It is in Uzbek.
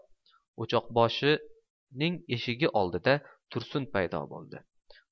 o'choqboshining eshigi oldida tursun paydo bo'ldi